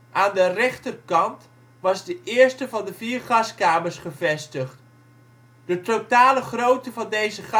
Aan de rechterkant was de eerste van de vier gaskamers gevestigd. De totale grootte van deze